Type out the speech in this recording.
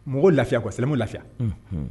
Mɔgɔ lafiya kɔ silamɛmu lafiya